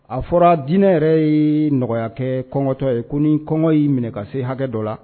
A fɔra diinɛ yɛrɛ ye nɔgɔya kɛ kɔngɔtɔ ye ko ni kɔngɔ y'i minɛ ka se hakɛ dɔ la